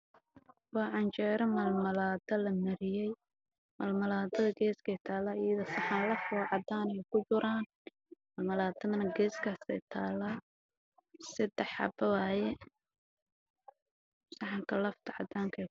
Meeshaan waxaa ka muuqdo canjeero malmalaado lamariyay